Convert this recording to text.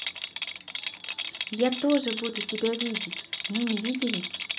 я тоже буду тебя видеть мы не виделись